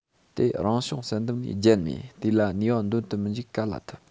དེ རང བྱུང བསལ འདེམས ལས རྒྱལ ནས དེ ལ ནུས པ འདོན དུ མི འཇུག ག ལ ཐུབ